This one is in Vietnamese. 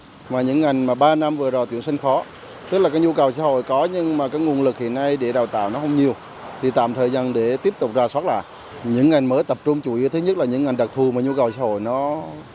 ngoài những ngành mà ba năm vừa rồi tuyển sinh khó tức là cái nhu cầu xã hội có nhưng mà cái nguồn lực hiện nay để đào tạo nó không nhiều thì tạm dần để tiếp tục rà soát lại những ngành mới tập trung chủ yếu thứ nhất là những ngành đặc thù mà nhu cầu xã hội nó